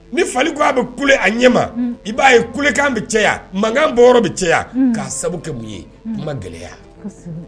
Ni fali ko a bɛ kule a ɲɛ ma i b'a ye kulekan bɛ cayaya mankankan bɔ yɔrɔ bɛ cɛ kaa sabu kɛ mun ye kuma ma gɛlɛyaya